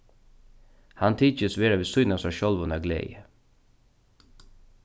hann tykist vera við síðuna av sær sjálvum av gleði